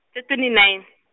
tse twenty nine.